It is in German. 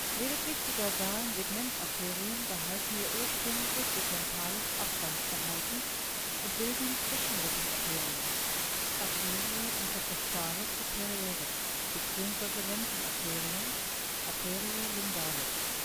Lediglich die dorsalen Segmentarterien behalten ihr ursprüngliches segmentales Abgangsverhalten und bilden die Zwischenrippenarterien (Arteriae intercostales superiores) bzw. Lendenarterien (Arteriae lumbales